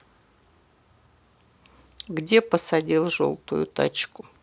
где посадил желтую тачку